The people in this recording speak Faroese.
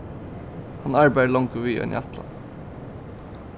hann arbeiðir longu við eini ætlan